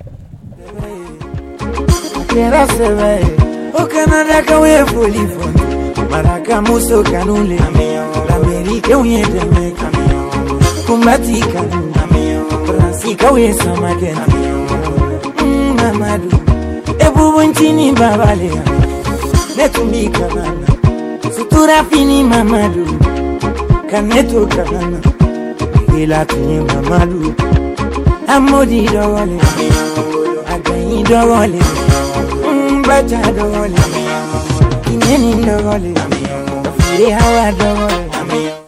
Saba kanalakaw ye boli la muso kanu lamɛnkaw ye kama kunbati ka lamɛnkaw ye sama kun mamamadumadu bɛbugutinin ba le la ne tun bɛ kalan turafin mamadu ka neto kalan tilela malu mɔdi dɔgɔnin a dɔgɔnin kunba dɔgɔ la dɔgɔnin feere